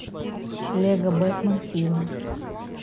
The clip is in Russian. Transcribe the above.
лего бэтмен фильм